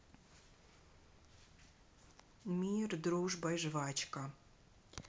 мир дружба и жвачка